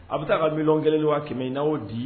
A bɛ taa ka mi kɛlen kɛmɛ n'o di